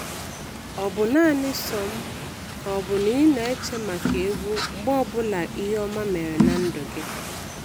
Ọ bụ naanị sọ m ka ọ bụ na ị na-eche maka egwu mgbe ọbụla ihe ọma mere na ndụ gị?